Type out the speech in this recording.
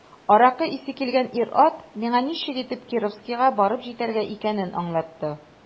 Аракы исе килгән ир-ат миңа ничек итеп Кировскига барып җитәргә икәнен аңлата.